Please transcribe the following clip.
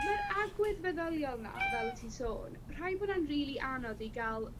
Ma'r agwedd feddyliol 'na fel o' ti'n sôn rhai bod a'n rili anodd i ga'l